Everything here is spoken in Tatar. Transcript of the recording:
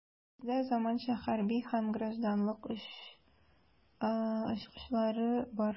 Бездә заманча хәрби һәм гражданлык очкычлары бар.